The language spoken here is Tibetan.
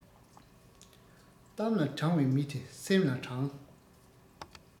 གཏམ ལ དྲང བའི མི དེ སེམས ལ དྲང